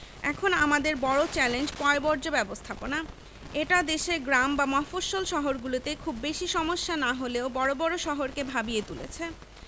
এখন আমাদের বড় চ্যালেঞ্জ পয়ঃবর্জ্য ব্যবস্থাপনা এটা দেশের গ্রাম বা মফস্বল শহরগুলোতে খুব বেশি সমস্যা না হলেও বড় বড় শহরকে ভাবিয়ে তুলেছে